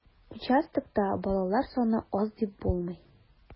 Участокта балалар саны аз дип булмый.